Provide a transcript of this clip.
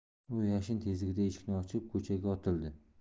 u yashin tezligida eshikni ochib ko'chaga otildi